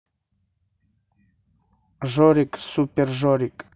жорик супер жорик